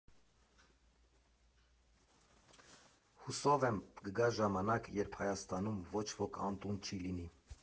Հուսով եմ կգա ժամանակ, երբ Հայաստանում ոչ ոք անտուն չի լինի։